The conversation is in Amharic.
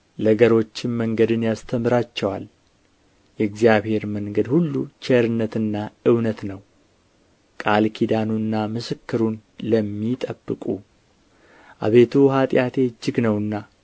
ለገሮችም መንገድን ያስተምራቸዋል የእግዚአብሔር መንገድ ሁሉ ቸርነትና እውነት ነው ቃል ኪዳኑንና ምስክሩን ለሚጠብቁ አቤቱ ኃጢአቴ እጅግ ነውና